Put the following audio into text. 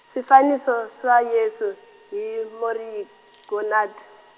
swifaniso swa Yesu, hi Morier Genoud.